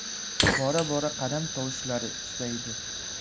bora bora qadam tovushlari susaydi